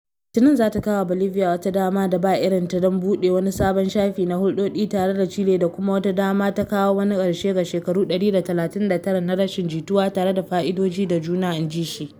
Litinin za ta kawo wa Bolivia “wata dama da ba irinta don bude wani sabon shafi na huldodi tare da Chile” da kuma wata dama ta “kawo wani karshe ga shekaru 139 na rashin jituwa tare da fa’idoji da juna,” inji shi.